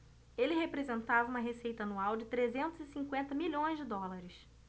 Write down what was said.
ele representava uma receita anual de trezentos e cinquenta milhões de dólares